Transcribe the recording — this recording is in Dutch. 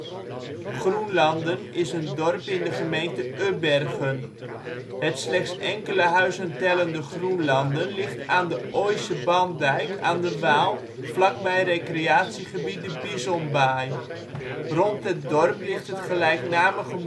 Groenlanden is een dorp in de gemeente Ubbergen. Het slechts enkele huizen tellende Groenlanden ligt aan de Ooijse Bandijk aan de Waal vlakbij recreatiegebied de Bisonbaai. Rond het dorp ligt het gelijknamige